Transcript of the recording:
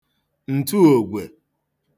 ǹtụògwè